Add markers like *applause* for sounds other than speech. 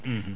*hesitation* *hesitation*